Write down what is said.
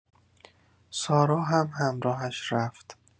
سارا هم همراهش رفت.